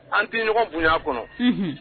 An tɛɲɔgɔn bonya kɔnɔ